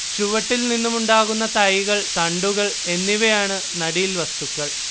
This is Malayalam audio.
ചുവട്ടിൽ നിന്നും ഉണ്ടാകുന്ന തൈകൾ തണ്ടുകൾ എന്നിവയാണ് നടീൽവസ്തുക്കൾ